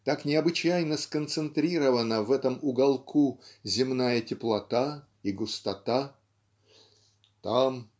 так необычайно сконцентрирована в этом уголку земная теплота и густота" там